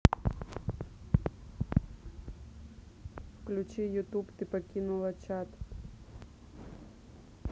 включи ютуб ты покинула чат